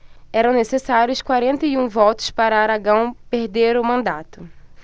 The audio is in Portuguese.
eram necessários quarenta e um votos para aragão perder o mandato